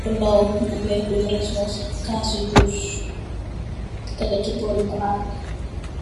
bu ndaw bu weex bu yoore soos, kaasu jus, tegge si boori palat bi.